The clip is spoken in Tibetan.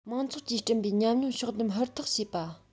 མང ཚོགས ཀྱིས བསྐྲུན པའི ཉམས མྱོང ཕྱོགས བསྡོམས ཧུར ཐག བྱེད པ